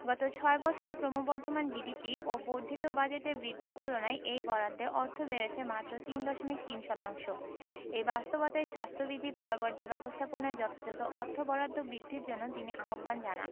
গত ছয় বছরে ক্রমবর্ধমান জিডিপি ও বর্ধিত বাজেটের বৃদ্ধির তুলনায় এই বরাদ্দে অর্থ বেড়েছে মাত্র তিন দশমিক তিন শতাংশ এই বাস্তবতায় স্বাস্থ্যবিধি পয়ঃবর্জ্য ব্যবস্থাপনায় যথাযথ অর্থ বরাদ্দ বৃদ্ধির জন্য তিনি আহ্বান জানান